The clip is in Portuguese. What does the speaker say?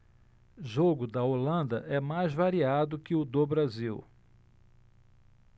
jogo da holanda é mais variado que o do brasil